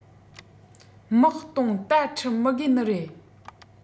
དམག སྟོང རྟ ཁྲི མི དགོས ནི རེད